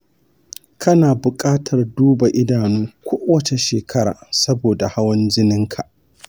kana buƙatar duba idanu kowace shekara saboda hawan jinin ka.